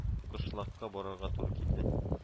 Кышлакка барырга туры килде